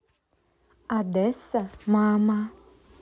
одесса мама